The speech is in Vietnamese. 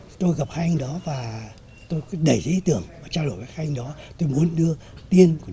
tôi gặp ai đó và tôi quyết đẩy lý tưởng và trao đổi với hai anh đó tôi muốn đưa tiên